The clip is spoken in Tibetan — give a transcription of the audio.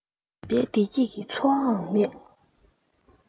བྱིས པའི བདེ སྐྱིད ཀྱི འཚོ བའང མེད